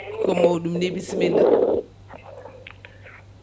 ko mawɗum ni bissimilla